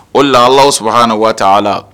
O lalaw saba na waati a la